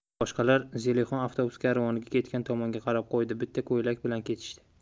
boshqalar zelixon avtobuslar karvoni ketgan tomonga qarab qo'ydi bitta ko'ylak bilan ketishdi